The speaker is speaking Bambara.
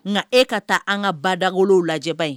Ŋa ee ka taa an ŋa badagolow lajɛ ba in